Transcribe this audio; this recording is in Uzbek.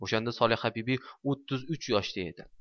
o'shanda solihabibi o'ttiz uch yoshda edi